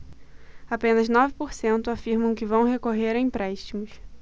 apenas nove por cento afirmam que vão recorrer a empréstimos